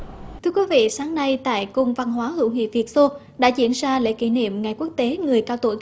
thưa quý vị sáng nay tại cung văn hóa hữu nghị việt xô đã diễn ra lễ kỷ niệm ngày quốc tế người cao tuổi